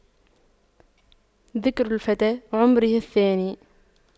ذكر الفتى عمره الثاني